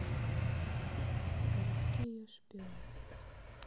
городские шпионы